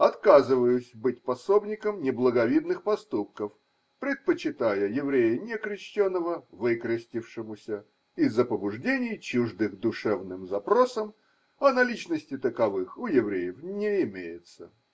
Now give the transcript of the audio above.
Отказываюсь быть пособником неблаговидных поступков, предпочитая еврея некрещеного выкрестившемуся из-за побуждений, чуждых душевным запросам, а наличности таковых у евреев не имеется.